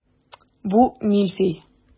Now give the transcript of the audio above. Бу мильфей.